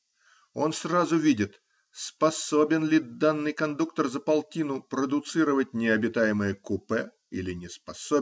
Он сразу видит, способен ли данный кондуктор за полтину продуцировать необитаемое купе или неспособен